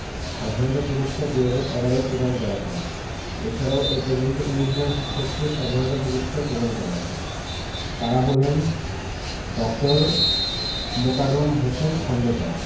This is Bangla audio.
স্বাধীনতা পুরস্কার ২০১১ প্রদান করা হয় এছাড়াও এ পর্যন্ত ১৯ জন শিক্ষককে স্বাধীনতা পুরস্কার প্রদান করা হয় তাঁরা হলেন ড. মোকাররম হোসেন খন্দকার